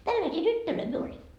tällaisia tyttöjä me oli